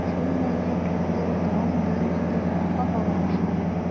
Шул мәлне кемдер даң-доң итеп капка кага башлады.